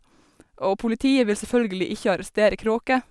Og politiet vil selvfølgelig ikke arrestere kråker.